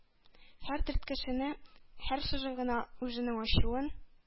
Һәр төрткесенә, һәр сызыгына үзенең ачуын,